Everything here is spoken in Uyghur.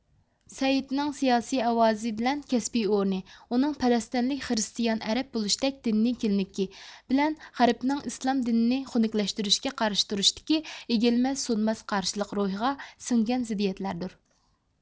سەئىدنىڭ سىياسىي ئاۋازى بىلەن كەسپىي ئورنى ئۇنىڭ پەلەسىتىنلىك خرىستىيان ئەرەب بولۇشتەك دىنىي كىملىكى بىلەن غەربنىڭ ئىسلام دىنىنى خۇنۇكلەشتۈرۈشكە قارشى تۇرۇشتىكى ئېگىلمەس سۇنماس قارشىلىق روھىغا سىڭگەن زىددىيەتلەردۇر